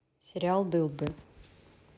сериал дылды